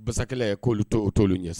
Ba ye k'olu to o t'olu ɲɛ sa